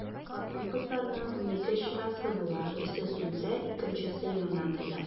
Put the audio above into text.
Хатын-кызларның унике чырасы була, берсе сүнсә, икенчесе яна, диләр.